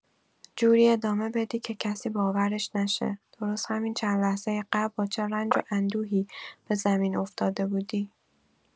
جوری ادامه بدی که کسی باورش نشه، درست همین چند لحظه قبل با چه رنج و اندوهی به زمین افتاده بودی!